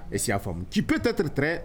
E y'a faamumu ci pe tɛtɛre tɛɛrɛ